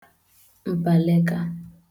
m̀pàlẹka